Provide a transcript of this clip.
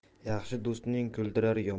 yaxshi do'sting kuldirar